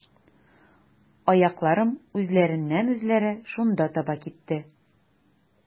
Аякларым үзләреннән-үзләре шунда таба китте.